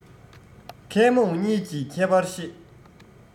མཁས རྨོངས གཉིས ཀྱི ཁྱད པར ཤེས